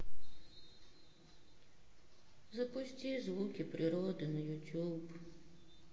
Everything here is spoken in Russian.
запусти звуки природы на ютуб